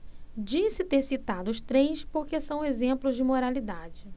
disse ter citado os três porque são exemplos de moralidade